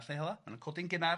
Ma' nw'n codi'n gynnar,